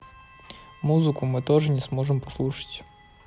музыку мы тоже не сможем послушать